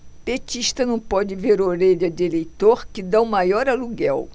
petista não pode ver orelha de eleitor que tá o maior aluguel